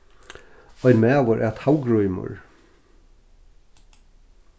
ein maður æt havgrímur